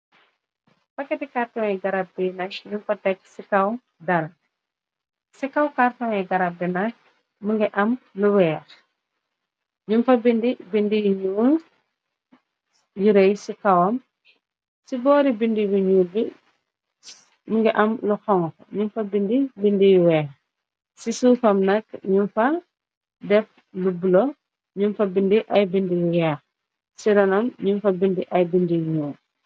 Pakkati karton yi garab bi nak, ñun fa tekk si kaw dara, si kaw karton yi garab bi nak mingi am lu weex, ñun fa bindi, bindi yu ñuul, yu rey si kawam, si boori bindi bu ñuul bi, më ngi am lu xonxu, ñun fa bindi, bindi yu weex, si suufam nakk ñun fa def lu bula, ñun fa bindi ay bindi yu weex, si ranam ñun fa bindi ay bindi yu ñuul